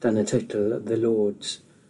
dan y teitl *The Lords